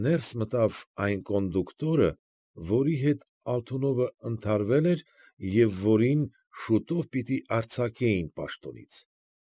Ներս մտավ այն կոնդուկտորը, որի հետ Ալթունովը ընդհարվել էր և որին շուտով պիտի արձակեին պաշտոնից։